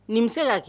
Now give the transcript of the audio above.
Nin bi se ka kɛ.